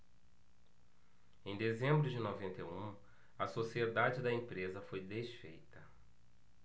em dezembro de noventa e um a sociedade da empresa foi desfeita